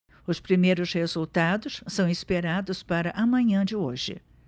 os primeiros resultados são esperados para a manhã de hoje